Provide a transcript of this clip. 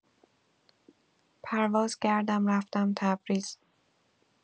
پرواز کردم رفتم تبریز.